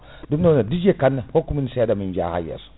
ɗum Dj Kane hokku min seeɗa mi jaa ha yesso